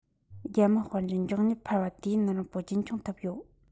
རྒྱལ དམངས དཔལ འབྱོར མགྱོགས མྱུར འཕར བ དུས ཡུན རིང པོ རྒྱུན འཁྱོངས ཐུབ ཡོད